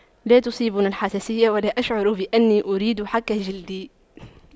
لا تصيبني الحساسية ولا أشعر بأني أريد حك جلدي